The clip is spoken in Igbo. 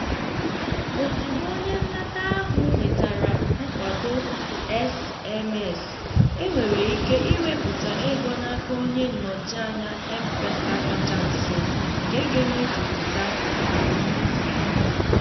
Ozugbo onye nnata ahụ nwetara nkwado SMS, e nwere ike iwepụta ego n'aka onye nnọchianya M-PESA kacha nso, nke ga-emejupụta usoro mbufe ego.